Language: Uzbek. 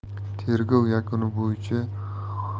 tergov yakuni bo'yicha oavga